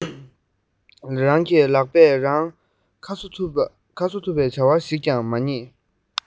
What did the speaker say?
རང གི ལག པས རང ཁ གསོ ཐུབ བའི བྱ བ ཞིག ཀྱང མ རྙེད